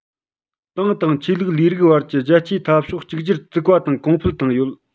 ཏང དང ཆོས ལུགས ལས རིགས བར གྱི རྒྱལ གཅེས འཐབ ཕྱོགས གཅིག གྱུར བཙུགས པ དང གོང འཕེལ བཏང ཡོད